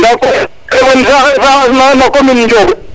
nda koy maxey na commune Ndiob